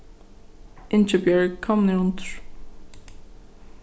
ingibjørg kom niðurundir